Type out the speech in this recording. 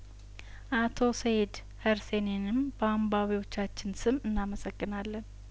አቶ ሰኢድ ኸር ሴንንም በአንባቢ ዎቻችን ስም እናመሰግናለን